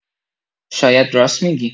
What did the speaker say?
شاید راست می‌گی.